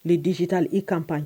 Ni disi tali i kap